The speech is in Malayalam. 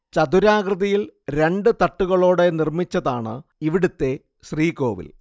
ചതുരാകൃതിയിൽ രണ്ട് തട്ടുകളോടെ നിർമ്മിച്ചതാണ് ഇവിടത്തെ ശ്രീകോവിൽ